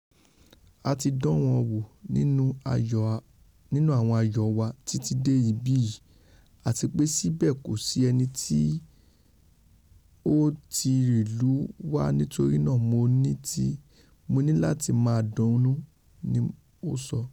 A ti dán wa wò nínú àwọn ayò wa tìtí dé ibí yìí, àtipé síbẹ̀ kòsí ẹnití ó tíì lù wá, nítorínaa Mo nílatí máa dunnú,'' ni ó sọ.